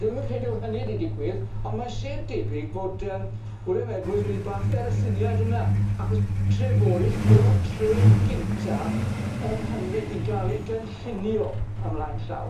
Dwi ddim yn credu o'dd hynny 'di digwydd on' mae'n lled debyg fod yym William Edwards wedi bachu ar y syniad yna achos Treforys yw'r tre gynta yng Nghymru i ga'l 'i gynllunio ymlaen llaw.